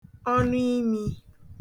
ọnụimī